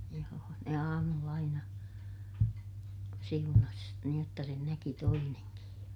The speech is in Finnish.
joo ne aamulla aina siunasi niin jotta sen näki toinenkin ja